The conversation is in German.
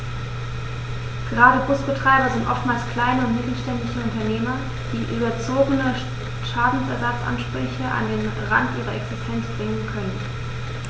Gerade Busbetreiber sind oftmals kleine und mittelständische Unternehmer, die überzogene Schadensersatzansprüche an den Rand ihrer Existenz bringen können.